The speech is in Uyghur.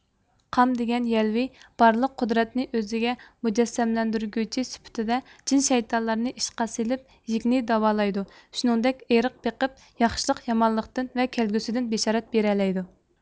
قام دىگەن يەلۋې بارلىق قۇدرەتنى ئۆزىگە مۇجەسسەملەندۈرگۈچى سۈپىتىدە جىن شەيتانلارنى ئىشقا سىلىپ يېگنى داۋالايدۇ شۇنىڭدەك ئېرق بىقىپ ياخشىلىق يامانلىقتىن ۋە كەلگۈسىدىن بېشارەت بېرەلەيدۇ